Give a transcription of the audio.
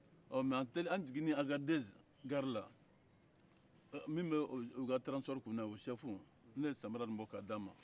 ɔ mɛ an jigilen agadɛze gari la min bɛ o ka transipori kun na o sɛfu ne ye samara in bɔ ka d'a ma